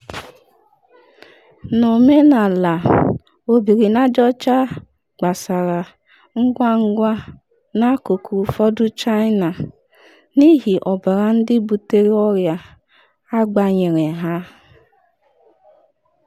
N’omenala, HIV gbasara ngwangwa n’akụkụ ụfọdụ China n’ihi ọbara ndị butere ọrịa agbanyere ha.